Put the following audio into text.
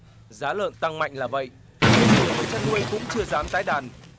giá lợn tăng mạnh là vậy nhưng nhiều người chăn nuôi cũng chưa dám tái đàn